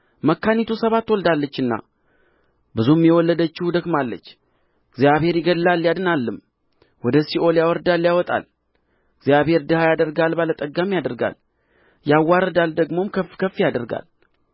መካኒቱ ሰባት ወልዳለችና ብዙም የወለደችው ደክማለች እግዚአብሔር ይገድላል ያድናልም ወደ ሲኦል ያወርዳል ያወጣል እግዚአብሔር ድሀ ያደርጋል ባለጠጋም ያደርጋል ያዋርዳል ደግሞም ከፍ ከፍ ያደርጋል